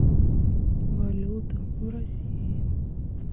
валюта в россии